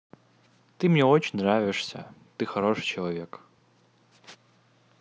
ты мне очень нравишься ты хороший человек